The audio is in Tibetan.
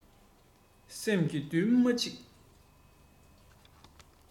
སེམས ཀྱི མདུན མ གཅིག